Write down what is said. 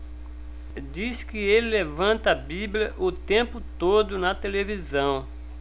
diz que ele levanta a bíblia o tempo todo na televisão